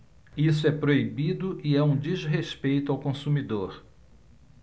isso é proibido e é um desrespeito ao consumidor